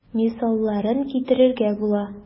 Мисалларын китерергә була.